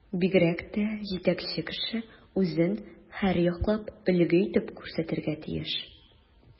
Бигрәк тә җитәкче кеше үзен һәрьяклап өлге итеп күрсәтергә тиеш.